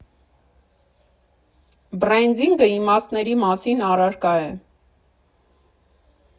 Բրենդինգը իմաստների մասին առարկա է։